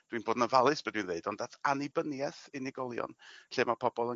rwy'n bod yn ofalus be' dwi ddweud ond dath annibyniaeth unigolion lle ma' pobol yn